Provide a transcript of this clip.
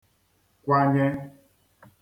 kwanye